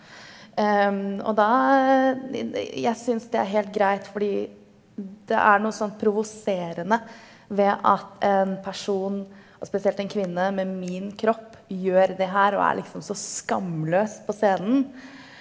og da jeg syns det er helt greit fordi det er noe sånt provoserende ved at en person, og spesielt en kvinne med min kropp, gjør det her og er liksom så skamløs på scenen.